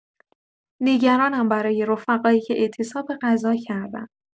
نگرانم برای رفقایی که اعتصاب غذا کردن.